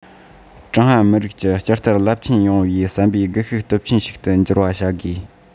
ཀྲུང ཧྭ མི རིགས ཀྱི བསྐྱར དར རླབས ཆེན ཡོང བའི བསམ པའི འགུལ ཤུགས སྟོབས ཆེན ཞིག ཏུ འགྱུར བ བྱ དགོས